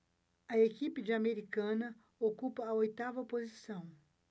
a equipe de americana ocupa a oitava posição